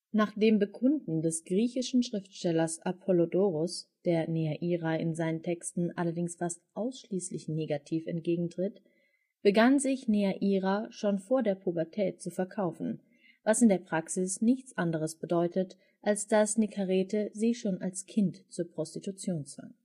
Nach dem Bekunden des griechischen Schriftstellers Apollodoros (der Neaira in seinen Texten allerdings fast ausschließlich negativ entgegentritt), begann sich Neaira schon vor der Pubertät zu verkaufen, was in der Praxis nichts anderes bedeutet, als dass Nikarete sie schon als Kind zur Prostitution zwang